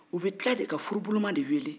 u bɛ tila de ka furuboloma de wele